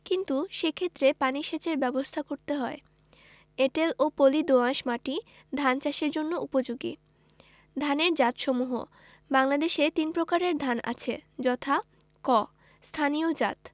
কিন্তু সেক্ষেত্রে পানি সেচের ব্যাবস্থা করতে হয় এঁটেল ও পলি দোআঁশ মাটি ধান চাষের জন্য উপযোগী ধানের জাতসমূহ বাংলাদেশে তিন প্রকারের ধান আছে যথাঃ ক স্থানীয় জাতঃ